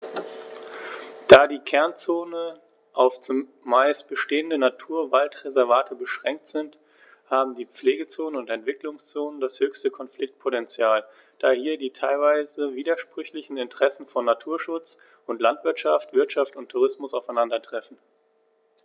Da die Kernzonen auf – zumeist bestehende – Naturwaldreservate beschränkt sind, haben die Pflegezonen und Entwicklungszonen das höchste Konfliktpotential, da hier die teilweise widersprüchlichen Interessen von Naturschutz und Landwirtschaft, Wirtschaft und Tourismus aufeinandertreffen.